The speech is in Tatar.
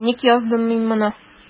Ник яздым мин моны?